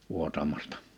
vuotamasta